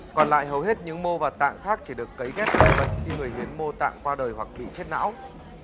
còn lại hầu hết những mô và tạng khác chỉ được cấy ghép cho người bệnh khi người hiến mô tạng qua đời hoặc bị chết não